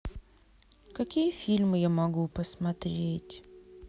какие фильмы я могу посмотреть